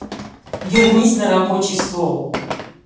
вернись на рабочий стол